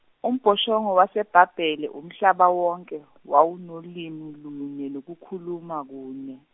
umbhoshongo waseBhabhele Umhlaba wonke, wawunolimi lunye nokukhuluma kunye.